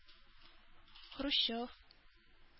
Хрущев